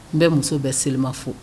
N bɛ muso bɛɛ selima fo